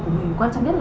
quan trọng nhất